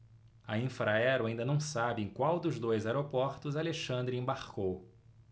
a infraero ainda não sabe em qual dos dois aeroportos alexandre embarcou